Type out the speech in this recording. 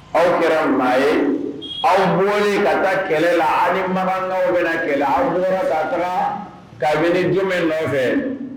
Aw kɛra maa ye aw bɔɔlen ka taa kɛlɛ la ani magankaw bɛna kɛlɛ a' bɔɔra ka tagaa kabini jumɛn nɔ fɛ